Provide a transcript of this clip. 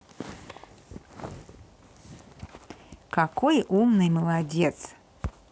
какой умный молодец